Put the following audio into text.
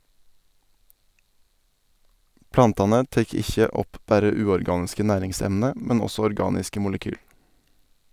Plantane tek ikkje opp berre uorganiske næringsemne, men også organiske molekyl.